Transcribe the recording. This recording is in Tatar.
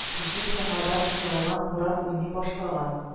Җил яңадан кузгалган, буран уйный башлаган